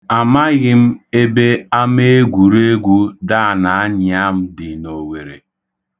Amaghị m ebe ameegwuregwu Dan Anyịam dị n'Owere.